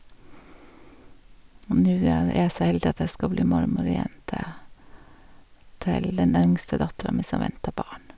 Og nå er det er jeg så heldig at jeg skal bli mormor igjen til til den yngste dattera mi, som venter barn.